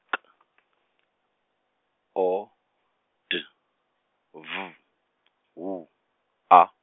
K , O, D, V, W, A.